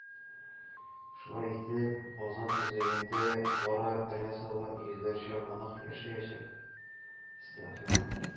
Шулай итеп, Казан үзәгендә кара рясалы йөзләрчә монах яшәячәк.